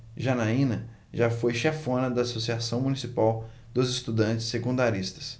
janaina foi chefona da ames associação municipal dos estudantes secundaristas